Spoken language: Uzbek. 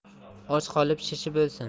och qolib shishib o'lsin